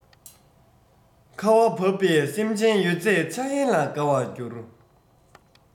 ཁ བ བབས པས སེམས ཅན ཡོད ཚད འཆར ཡན ལ དགའ བར གྱུར